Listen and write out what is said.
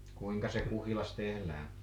kuinka se kuhilas tehdään